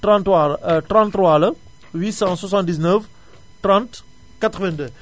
33 la 33 la 879 30 82